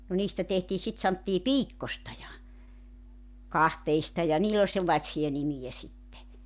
no niistä tehtiin sitten sanottiin piikkoista ja kahteista ja niillä oli sellaisia nimiä sitten